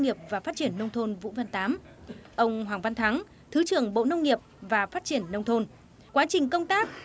nghiệp và phát triển nông thôn vũ văn tám ông hoàng văn thắng thứ trưởng bộ nông nghiệp và phát triển nông thôn quá trình công tác